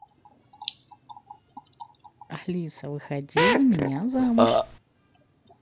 алиса выходи за меня замуж